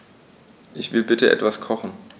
Ich will bitte etwas kochen.